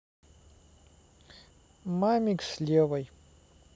мамикс левой